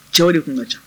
Cɛw de tun ka ca